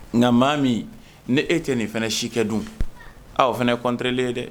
Nka maa min ni e tɛ nin fana si kɛ dun o fana ye kɔntelen ye dɛ